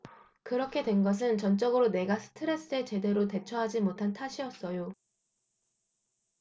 그렇게 된 것은 전적으로 내가 스트레스에 제대로 대처하지 못한 탓이었어요